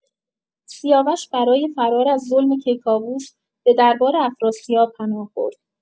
سیاوش برای فرار از ظلم کیکاووس، به دربار افراسیاب پناه برد.